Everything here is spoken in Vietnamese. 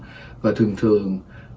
và thường thường